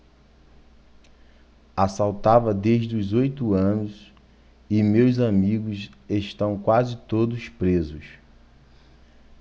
assaltava desde os oito anos e meus amigos estão quase todos presos